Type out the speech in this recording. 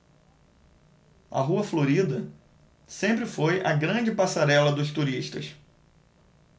a rua florida sempre foi a grande passarela dos turistas